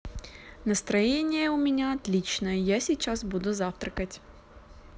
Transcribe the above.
настроение у меня отлично я сейчас буду завтракать